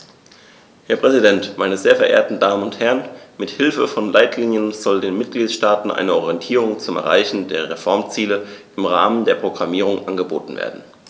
Herr Präsident, meine sehr verehrten Damen und Herren, mit Hilfe von Leitlinien soll den Mitgliedstaaten eine Orientierung zum Erreichen der Reformziele im Rahmen der Programmierung angeboten werden.